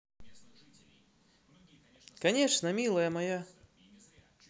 конечно милая моя